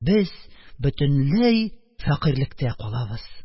Без бөтенләй фәкыйрьлектә калабыз.